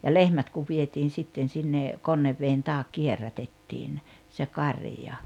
ja lehmät kun vietiin sitten sinne Konneveden taakse kierrätettiin se karja